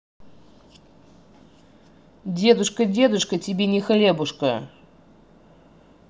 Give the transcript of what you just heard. дедушка дедушка тебе не хлебушка